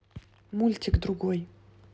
мультик другой